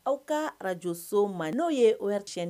Aw ka arajso ma n'o ye oc ye